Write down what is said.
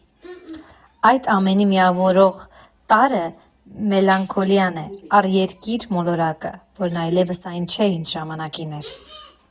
Այդ ամենի միավորող տարրը մելանքոլիան է առ Երկիր մոլորակը, որն այլևս այն չէ, ինչ ժամանակին էր։